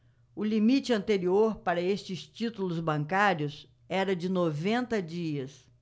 o limite anterior para estes títulos bancários era de noventa dias